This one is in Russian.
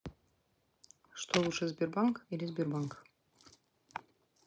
что лучше сбербанк или сбербанк